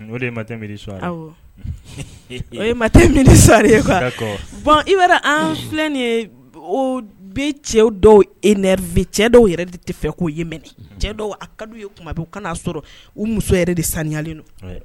O de ye matin, midi, soir ye. . Awɔ, o ye matin, midi, soir ye . D'accord . bɔn i b'a dɔn an filɛ ni ye, o bɛ cɛ dɔw enerver cɛ dɔw yɛrɛ de tɛ fɛ k'o ye mɛnɛ. cɛ dɔw a ka di u ye tuma bɛɛ u kan'a sɔrɔ u muso yɛrɛ de sanuyalen don. Wɛ!